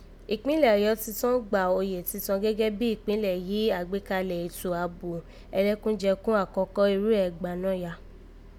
Ìkpínlẹ̀ Ọ̀yọ́ ti tọ́n gbà òye titọn gẹ́gẹ́ bí ìkpínlẹ̀ yìí àgbékalẹ̀ ètò àbò ẹlẹ́kùjẹkùn àkọ́kọ́ irú rẹ́ gbanáya